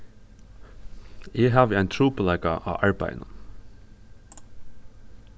eg havi ein trupulleika á arbeiðinum